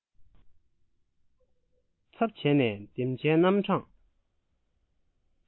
ཚབ བྱས ནས འདེམས བྱའི རྣམ གྲངས